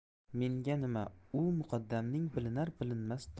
menga nima u muqaddamning bilinar bilinmas